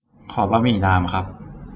ขอบะหมี่น้ำครับ